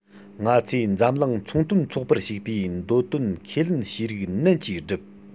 ང ཚོས འཛམ གླིང ཚོང དོན ཚོགས པར ཞུགས པའི འདོད དོན ཁས ལེན བྱས རིགས ནན གྱིས བསྒྲུབས